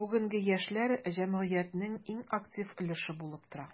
Бүгенге яшьләр – җәмгыятьнең иң актив өлеше булып тора.